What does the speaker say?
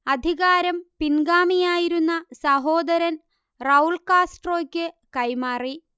അധികാരം പിൻഗാമിയായിരുന്ന സഹോദരൻ റൗൾ കാസ്ട്രോക്ക് കൈമാറി